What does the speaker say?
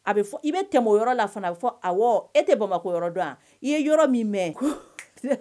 A bɛ i bɛ tɛmɛ o yɔrɔ la fana a bɛ fɔ a e tɛ bamakɔ yɔrɔ dɔn wa i ye yɔrɔ min mɛn